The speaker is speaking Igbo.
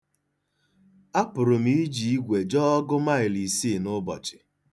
Apụrụ m iji igwe jee ọgụ maịlụ isii n’ụbochị